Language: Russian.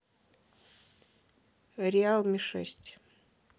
реалми шесть